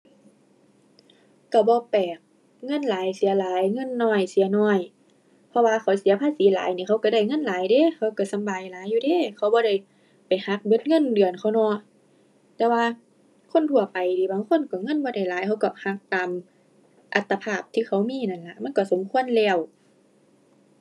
ก็บ่แปลก เงินหลายเสียหลาย เงินน้อยเสียน้อย เพราะว่าข้อยเสียภาษีหลายนี่ เขาก็ได้เงินหลายเดะ เขาก็สบายหลายอยู่เดะ เขาบ่ได้ไปหักเบิดเงินเดือนเขาเนาะ แต่ว่าคนทั่วไปนี่ บางคนก็เงินบ่ได้หลายเขาก็หักตามอัตภาพที่เขามีนั่นล่ะ มันก็สมควรแล้ว